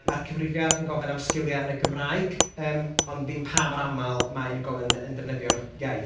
Ma'r cyfrifiad yn gofyn am sgiliau yn y Gymraeg, yym ond ddim pam ar aml mae unigol yn defnyddio'r iaith.